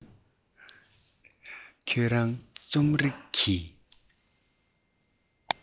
ཁྱོད རང རྩོམ རིག གི